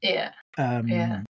Ia... yym. ...ia.